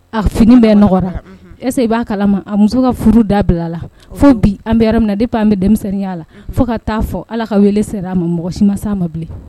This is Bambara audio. A fini bɛ nɔgɔ la unhun, ka b'a kalama a muso ka furu da bila la fo bi, an bɛ yɔrɔ min dpuis an bɛɛ denmisɛnninya la , unhun, fo ka taa fɔ allah ka wele sera a ma , mɔgɔ si ma s'an ma bilen.